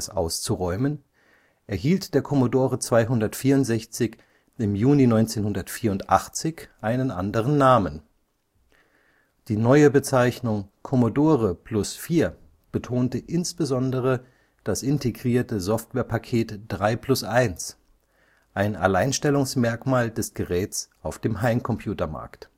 auszuräumen, erhielt der Commodore 264 im Juni 1984 einen anderen Namen: Die neue Bezeichnung Commodore Plus/4 betonte insbesondere das integrierte Softwarepaket 3-plus-1, ein Alleinstellungsmerkmal des Gerätes auf dem Heimcomputermarkt